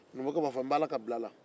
numukɛ b'a fɔ n bɛ ala ka bila la